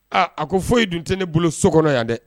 A a ko foyi ye dun tɛ ne bolo so kɔnɔ yan dɛ